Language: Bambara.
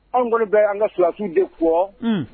Anw bolo bɛ an ka sulafin de fɔ